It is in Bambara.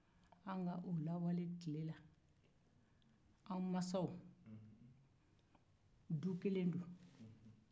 anw ka waati la an mansaw tun ye du kelen ye